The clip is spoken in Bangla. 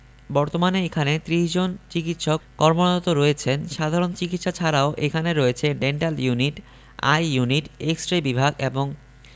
বর্তমানে এখানে ৩০ জন চিকিৎসক কর্মরত রয়েছেন সাধারণ চিকিৎসা ছাড়াও এখানে রয়েছে dental unit eye unit X ray বিভাগ এবং